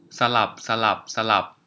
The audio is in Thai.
สลับสลับสลับ